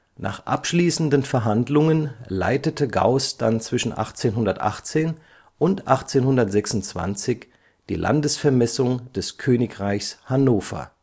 Nach abschließenden Verhandlungen leitete Gauß dann zwischen 1818 und 1826 die Landesvermessung des Königreichs Hannover